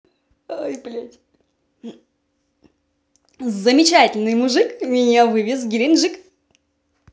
замечательный мужик меня вывез в геленджик